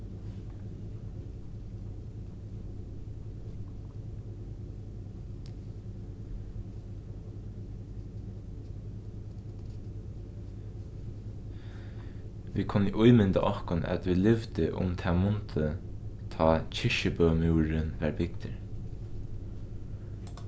vit kunnu ímynda okkum at vit livdu um tað mundið tá kirkjubømúrurin varð bygdur